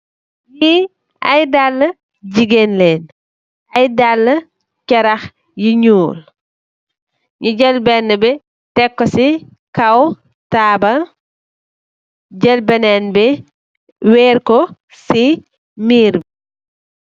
Li ay daala jigeen len ay daal charah yu nuul nyu jel benna bi teko si kaw tabal jel benen bi werr ko si mirr.